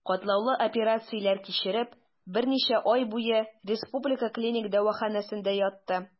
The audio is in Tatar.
Катлаулы операцияләр кичереп, берничә ай буе Республика клиник дәваханәсендә ятты.